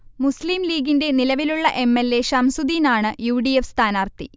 മുസ്ലിം ലീഗിന്റെ നിലവിലുള്ള M. L. A. ഷംസുദീനാണ് യൂ. ഡി. എഫ്. സ്ഥാനാർത്ഥി